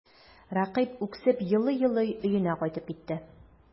Рәкыйп үксеп елый-елый өенә кайтып китте.